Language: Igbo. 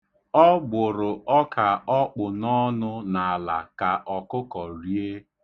Ọ gbụrụ ọka ọ kpụ n'ọnụ n'ala ka ọkụkọ rie.